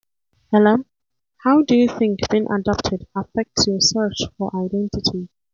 LM: How do you think being adopted affects your search for identity?